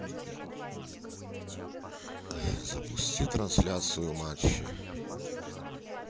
запусти трансляцию матчей